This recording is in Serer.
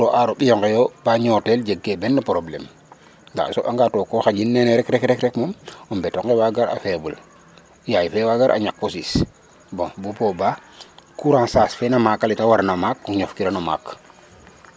Pour o aaro ɓiy onqe yo ba ñootel jegkee ben problème ndaa a soɓanga to ko xaƴin nene rek rek moom o mbote nqa wa gar a faible yaay fe wa gar a ñak fo soow bon booba croissance fe na maak ale te warna maak ñofkirano maak .